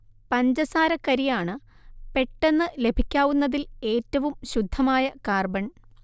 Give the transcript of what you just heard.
പഞ്ചസാരക്കരിയാണ് പെട്ടെന്ന് ലഭിക്കാവുന്നതിൽ ഏറ്റവും ശുദ്ധമായ കാർബൺ